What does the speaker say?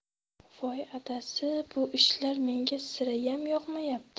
voy adasi bu ishlar menga sirayam yoqmayapti